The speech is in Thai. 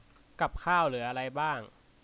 กับข้าวเหลืออะไรบ้าง